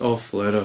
Awful o enw.